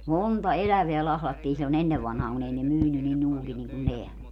monta elävää lahdattiin silloin ennen vanhaan kun ei ne myynyt niin nuuka niin kuin nämä